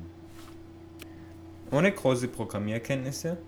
Ohne große Programmierkenntnisse